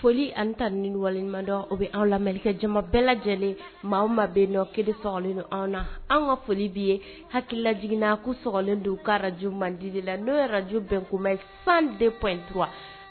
Foli ani ta ni waleɲumandɔ o bɛ an lamaja bɛɛ lajɛlen maa ma bɛ nɔ kelen slen anw na anw ka foli bɛ ye hakilila jiginna ko slen don ka araj mandi de la n'o yɛrɛ arajo bɛn kumama yefan de ptu